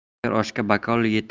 tayyor oshga bakovul